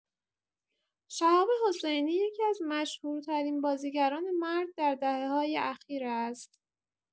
شهاب حسینی یکی‌از مشهورترین بازیگران مرد در دهه‌های اخیر است.